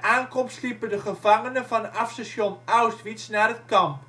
aankomst liepen de gevangenen vanaf station Auschwitz naar het kamp.